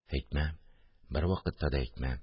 – әйтмәм, бервакытта да әйтмәм